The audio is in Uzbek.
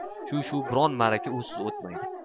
shu shu biron ma'raka usiz o'tmaydi